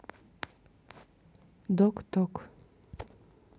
док ток